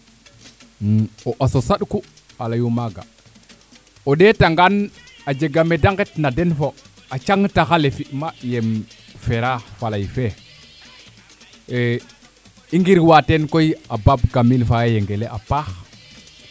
o aso saɗku a leyu maaga o ndeta ngaan a jaga meede nget na den fo a cang taxa le fima yeem fera falay fe e i ngir waa teen koy a Bab kamil fa Yengele a paax